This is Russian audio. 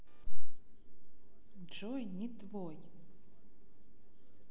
джой не твой